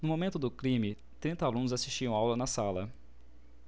no momento do crime trinta alunos assistiam aula na sala